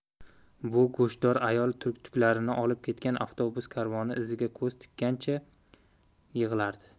bu go'shtdor ayol turklarni olib ketgan avtobus karvoni iziga ko'z tikkanicha yig'lardi